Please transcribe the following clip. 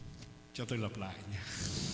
cho tôi làm lại nhá